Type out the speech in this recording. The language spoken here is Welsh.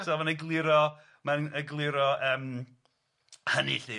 So mae'n egluro mae'n egluro yym, hynny lly.